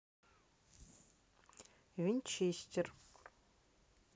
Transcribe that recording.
винчестер